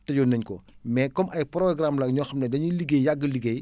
tëjoon nañ ko mais comme ay programmes la ñoo xam ne dañuy liggéey yàgg liggéey